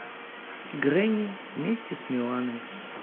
грэнни вместе с миланой